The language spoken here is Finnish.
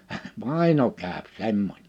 vaino käy semmoinen